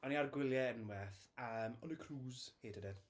O'n i ar y gwyliau unwaith, ymm, on a cruise - hated it.